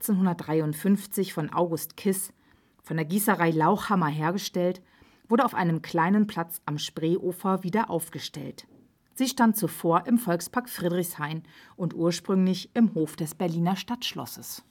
1853) von August Kiss, von der Gießerei Lauchhammer hergestellt, wurde auf einem kleinen Platz am Spreeufer wieder aufgestellt. Sie stand zuvor im Volkspark Friedrichshain und ursprünglich im Hof des Berliner Stadtschlosses